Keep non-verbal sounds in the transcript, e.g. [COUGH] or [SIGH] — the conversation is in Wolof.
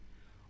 [HESITATION] [HESITATION]